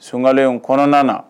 Sonkalen kɔnɔna na